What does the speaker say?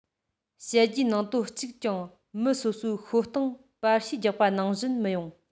བཤད རྒྱུའི ནང དོན གཅིག ཀྱང མི སོ སོའི ཤོད སྟངས པར བཤུས བརྒྱབ པ ནང བཞིན མི ཡོང